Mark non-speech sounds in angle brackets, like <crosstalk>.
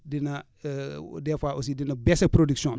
dina <hesitation> des fois aussi dina baissé production am